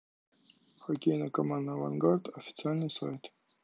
хоккейная команда авангард официальный сайт